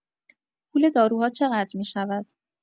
پول داروها چه‌قدر می‌شود؟